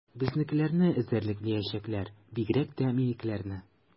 Безнекеләрне эзәрлекләячәкләр, бигрәк тә минекеләрне.